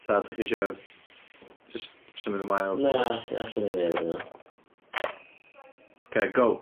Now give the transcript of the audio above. Ta 'dach chi isio jyst symud ymlaen... Na all- allwn ni neud hynna. Ocê go.